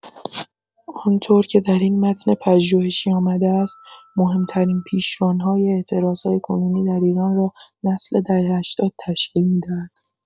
آن‌طور که در این متن پژوهشی آمده است مهمترین پیشران‌های اعتراض‌های کنونی در ایران را نسل دهه هشتاد تشکیل می‌دهد.